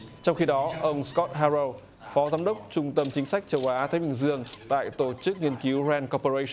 trong khi đó ông cót ha râu phó giám đốc trung tâm chính sách châu á thái bình dương tại tổ chức nghiên cứu ren co pơ rây